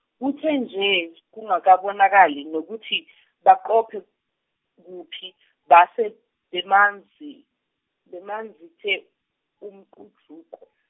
kuthe nje kungakabonakali nokuthi baqophe kuphi base bemanzi bemanzi te umjuluko.